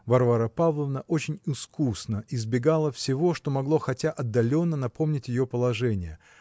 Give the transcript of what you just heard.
Варвара Павловна очень искусно избегала всего, что могло хотя отдаленно напомнить ее положение